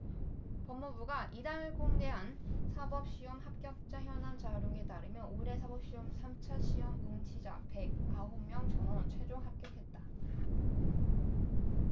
법무부가 이날 공개한 사법시험 합격자 현황 자료에 따르면 올해 사법시험 삼 차 시험 응시자 백 아홉 명 전원이 최종 합격했다